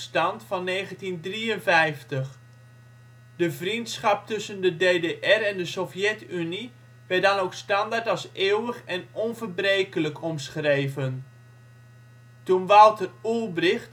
van 1953. De vriendschap tussen de DDR en de Sovjet-Unie werd dan ook standaard als ' eeuwig en onverbrekelijk ' omschreven. Toen Walter Ulbricht rond 1971